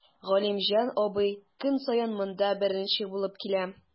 Галимҗан абый көн саен монда беренче булып килә.